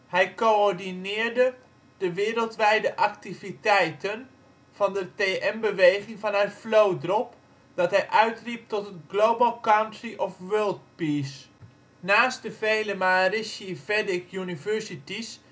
Hij coördineerde de wereldwijde activiteiten van de TM-beweging vanuit Vlodrop, dat hij uitriep tot het " Global Country of World Peace ". Naast de vele " Maharishi Vedic Universities